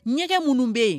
Ɲɛgɛn minnu bɛ yen